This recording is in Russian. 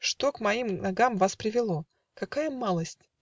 - что к моим ногам Вас привело? какая малость!